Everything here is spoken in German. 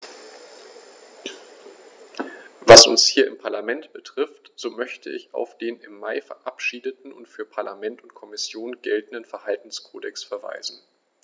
Was uns hier im Parlament betrifft, so möchte ich auf den im Mai verabschiedeten und für Parlament und Kommission geltenden Verhaltenskodex verweisen.